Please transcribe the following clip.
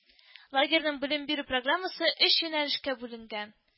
Лагерьнең белем бирү программасы оч юнәлешкә бүленгән: